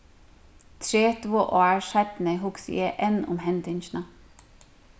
tretivu ár seinni hugsi eg enn um hendingina